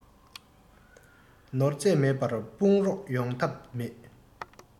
ནོར རྫས མེད པར དཔུང རོགས ཡོང ཐབས མེད